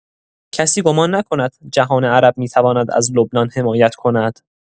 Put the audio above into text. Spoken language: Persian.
کسی گمان نکند جهان عرب می‌تواند از لبنان حمایت کند.